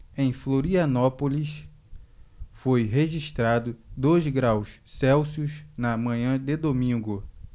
em florianópolis foi registrado dois graus celsius na manhã de domingo